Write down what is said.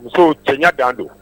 Musow cɛya dan don